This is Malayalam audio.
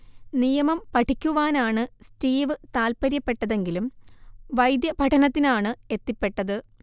നിയമം പഠിക്കുവാനാണ് സ്റ്റീവ് താൽപര്യപ്പെട്ടതെങ്കിലും വൈദ്യപഠനത്തിനാണ് എത്തിപ്പെട്ടത്